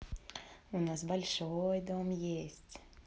у нас большой дом есть